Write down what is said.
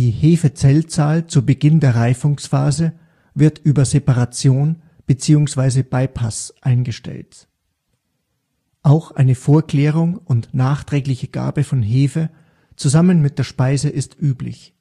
Hefezellzahl zu Beginn der Reifungsphase wird über Separation beziehungsweise Bypass eingestellt. Auch eine Vorklärung und nachträgliche Gabe von Hefe zusammen mit der Speise ist üblich